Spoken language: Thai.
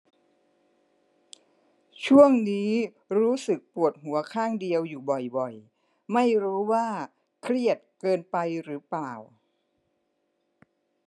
ช่วงนี้รู้สึกปวดหัวข้างเดียวอยู่บ่อยบ่อยไม่รู้ว่าเครียดเกินไปหรือเปล่า